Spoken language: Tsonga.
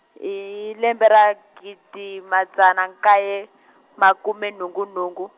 hilembe ra gidi madzana nkaye, makume nhungu nhungu.